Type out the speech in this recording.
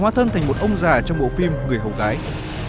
hóa thân thành một ông già trong bộ phim người hầu gái